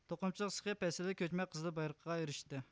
توقۇمىچىلىق سېخى پەسىللىك كۆچمە قىزىل بايراققا ئېرىشتى